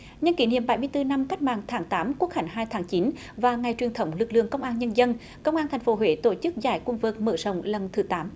nhân kỷ niệm bảy mươi tư năm cách mạng tháng tám quốc khánh hai tháng chín và ngày truyền thống lực lượng công an nhân dân công an thành phố huế tổ chức giải quần vợt mở rộng lần thứ tám